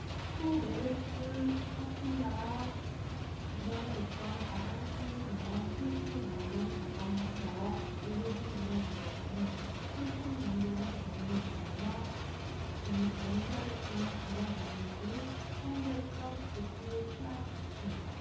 또 메르스 확진자가 입원해 있던 아산충무병원 칠 층 병동 입원 환자와 의료진 등에 대해서는 칠 층 병동에 격리중이며 검사를 통해 자가 격리 등 선별적 조치를 취할 방침이다